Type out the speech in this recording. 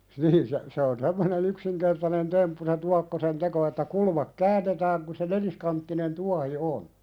niin se se on semmoinen yksinkertainen temppu se tuokkosen teko että kulma käännetään kun se neliskanttinen tuohi on